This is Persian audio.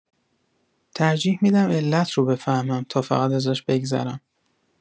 ترجیح می‌دم علت رو بفهمم تا فقط ازش بگذرم